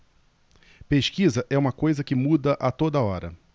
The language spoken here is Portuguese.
pesquisa é uma coisa que muda a toda hora